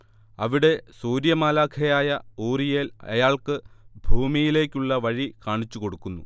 അവിടെ സൂര്യരമാലാഖയായ ഊറിയേൽ അയാൾക്ക് ഭൂമിയിലേയ്ക്കുള്ള വഴി കാണിച്ചുകൊടുക്കുന്നു